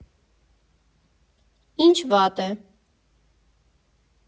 Ի՞նչ վատ է։